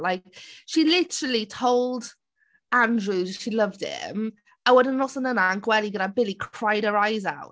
Like she literally told Andrew she loved him. A wedyn y noson yna yn gwely gyda Billy cr- cried her eyes out.